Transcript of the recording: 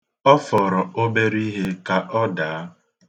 Ọ fọrọ obere ihe ka ọ daa.